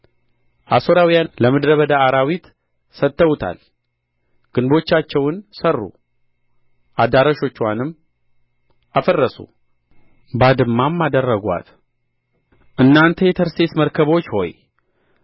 አሦራውያን ለምድረ በዳ አራዊት ሰጥተውታል ግንቦቻቸውን ሠሩ አዳራሾችዋንም አፈረሱ ባድማም አደረጓት እናንተ የተርሴስ መርከቦች ሆይ